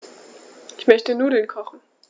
Ich möchte Nudeln kochen.